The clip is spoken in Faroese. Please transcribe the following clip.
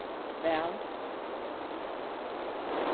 væl